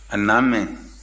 a na a mɛn